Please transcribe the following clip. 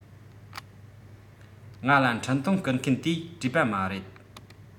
ང ལ འཕྲིན ཐུང བསྐུར མཁན དེས བྲིས པ མ རེད